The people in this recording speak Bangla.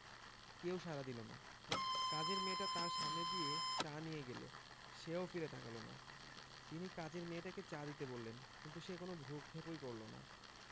কেউ সাড়া দিল না কাজের মেয়েটা তাঁর সামনে দিয়ে চা নিয়ে গেল সে ও ফিরে তাকাল না তিনি কাজের মেয়েটাকে চা দিতে বললেন কিন্তু সে কোনো ভ্রুক্ষেপই করল না